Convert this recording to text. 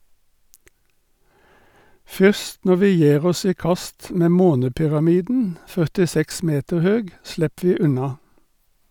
Fyrst når vi gjer oss i kast med månepyramiden , 46 meter høg , slepp vi unna.